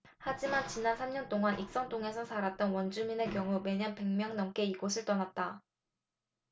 하지만 지난 삼 년동안 익선동에서 살았던 원주민의 경우 매년 백 명 넘게 이곳을 떠났다